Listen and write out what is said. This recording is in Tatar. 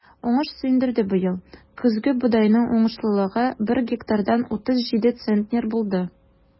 Уңыш сөендерде быел: көзге бодайның уңышлылыгы бер гектардан 37 центнер булды.